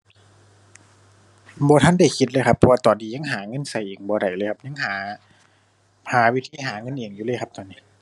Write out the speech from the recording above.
บ่ทันได้คิดเลยครับ เพราะว่าตอนนี้ยังหาเงินใช้เองบ่ได้เลยครับ ยังหา หาวิธีหาเงินเองอยู่เลยครับตอนนี้